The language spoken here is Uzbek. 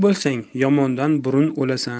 bo'lsang yomondan burun o'lasan